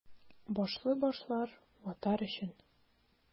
Башлы башлар — ватар өчен!